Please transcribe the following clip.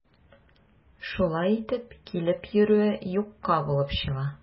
Шулай итеп, килеп йөрүе юкка булып чыга.